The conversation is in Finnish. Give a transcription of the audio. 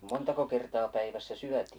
montako kertaa päivässä syötiin